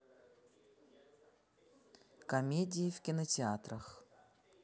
комедии в кинотеатрах